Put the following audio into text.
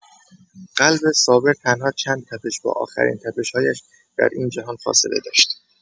قلب صابر تنها چند تپش با آخرین تپش‌هایش در این جهان فاصله داشت.